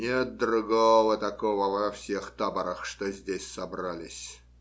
нет другого такого во всех таборах, что здесь собрались.